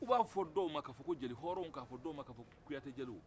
u b'a fɔ dɔw ma ka fɔ ko jelihɔrɔnw ka fɔ dɔw ma ka fɔ ko kuyatɛjeliw